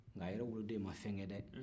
nka a yɛrɛ woloden ma fɛn kɛ dɛ